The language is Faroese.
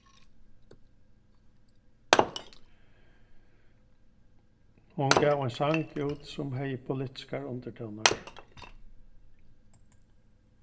hon gav ein sang út sum hevði politiskar undirtónar